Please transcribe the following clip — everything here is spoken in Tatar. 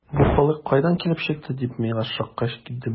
“бу халык кайдан килеп чыкты”, дип мин шакката идем.